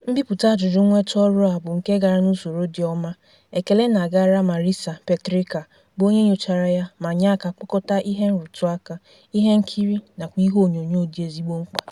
Mbipụta ajụjụ mnweta orụ a bụ nke gara n'usoro dị ọma, ekele na-agara Marisa Petricca, bụ onye nyochara yá ma nye aka kpokota ihe nrụtụaka, ihe nkiri nakwa ihe onyonyo dị ezigbo mkpa.